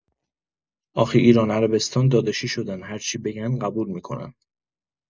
آخه ایران عربستان داداشی شدن هرچی بگن قبول می‌کنن.